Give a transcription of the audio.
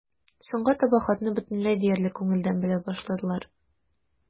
Соңга таба хатны бөтенләй диярлек күңелдән белә башладылар.